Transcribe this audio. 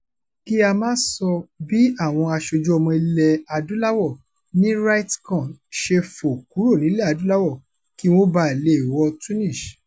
Kí a máà sọ bí àwọn aṣojú ọmọ ilẹ̀ adúláwọ̀ ní RightsCon ṣe fò kúrò nílẹ̀-adúláwọ̀ kí wọn ó ba lè wọ Tunis.